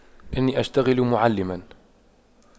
إني أشتغل معلما